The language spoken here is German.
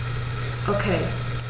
Okay.